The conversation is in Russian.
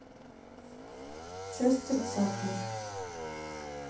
часть тридцатая